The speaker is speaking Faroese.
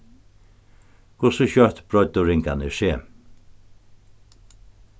hvussu skjótt breiddu ringarnir seg